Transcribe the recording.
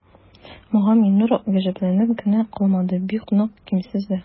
Моңа Миңнур гаҗәпләнеп кенә калмады, бик нык кимсенде дә.